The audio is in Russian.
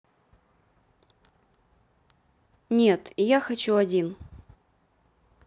нет я хочу один